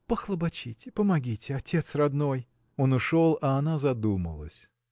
– Похлопочите, помогите, отец родной. Он ушел, а она задумалась.